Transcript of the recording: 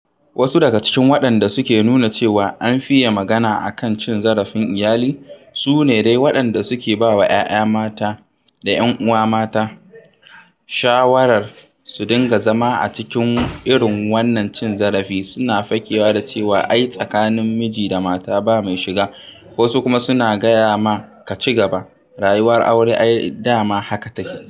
Wasu daga cikin waɗanda suke … nuna cewa an fiye [magana a kan cin zarafin iyali], su ne dai waɗanda suke ba wa 'ya'ya mata da 'yan'uwa mata shawarar su dinga zama a cikin irin wannan cin zarafi, suna fakewa da cewa ai tsakanin miji da mata ba mai shiga, wasu kuma suna gaya ma ka cigaba, rayuwar aure ai dama haka take...